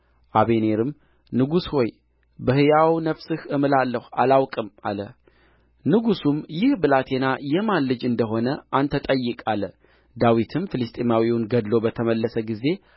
አበኔርም ንጉሥ ሆይ በሕያው ነፍስህ እምላለሁ አላውቅም አለ ንጉሡም ይህ ብላቴና የማን ልጅ እንደ ሆነ አንተ ጠይቅ አለ ዳዊትም ፍልስጥኤማዊውን ገድሎ በተመለሰ ጊዜ